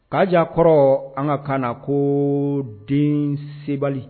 K'a diya kɔrɔ an ka kan na ko den sɛbɛn